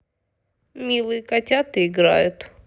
милые котята играют